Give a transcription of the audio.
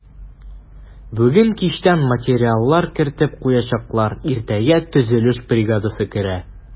Бүген кичтән материаллар кертеп куячаклар, иртәгә төзелеш бригадасы керә.